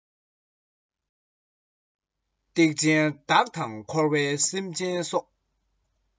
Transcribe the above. སྡིག ཆེན བདག དང འཁོར བའི སེམས ཅན སོགས